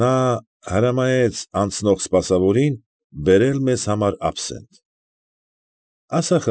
Նա հրամայեց անցնող սպասավորին բերել մեզ համար աբսենտ։ ֊ Ասա,